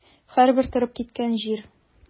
Һәрбер торып киткән җир.